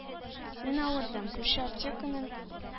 Мин авырдым... Күрше аптеканың